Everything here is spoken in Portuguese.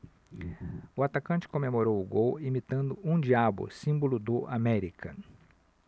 o atacante comemorou o gol imitando um diabo símbolo do américa